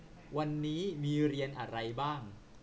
วันนี้มีเรียนอะไรบ้าง